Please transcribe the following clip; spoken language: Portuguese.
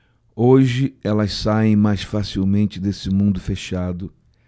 hoje elas saem mais facilmente desse mundo fechado